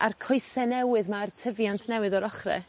a'r coese newydd 'ma a'r tyfiant newydd o'r ochre